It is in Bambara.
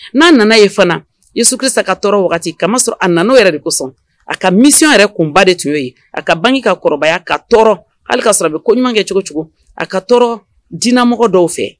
N'a nana ye fana i suki sa ka tɔɔrɔ wagati kasɔrɔ a n'o yɛrɛ de kosɔn a ka mi yɛrɛ kunba de tun'o ye a ka bange ka kɔrɔbaya ka tɔɔrɔ hali k kaa sɔrɔ bɛ ko ɲuman kɛ cogo cogo a ka tɔɔrɔ dmɔgɔ dɔw fɛ